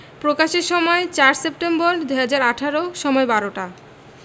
প্রকাশের সময়ঃ ৪ সেপ্টেম্বর ২০১৮ সময়ঃ ১২টা